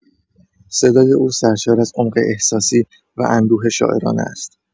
صدای او سرشار از عمق احساسی و اندوه شاعرانه است.